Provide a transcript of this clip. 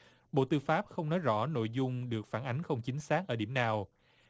bộ tư pháp không nói rõ nội dung được phản ánh không chính xác ở điểm nào